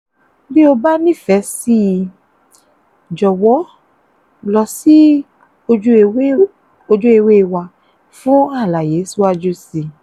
Bí o bá nífẹ̀ẹ́ síi, jọ̀wọ́ lọ sí ojúewé wa fún àlàyé síwájú síi.